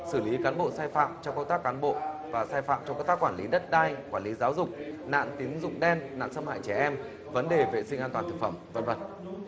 xử lý cán bộ sai phạm trong công tác cán bộ và sai phạm trong công tác quản lý đất đai quản lý giáo dục nạn tín dụng đen nạn xâm hại trẻ em vấn đề vệ sinh an toàn thực phẩm vân vân